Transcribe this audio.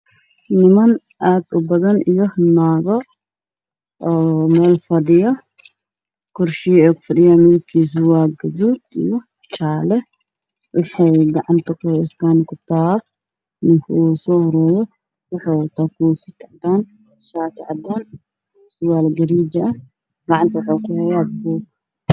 Waa hool waxaa iskugu imaaday niman iyo naago waxa aqrinayaan kitaab qur-aan